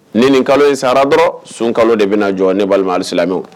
Ni ni kalo in sara dɔrɔn sun kalo de bɛna jɔ ne balima silamɛ